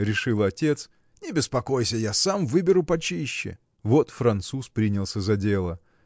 – решил отец, – не беспокойся: я сам выберу почище. Вот француз принялся за дело.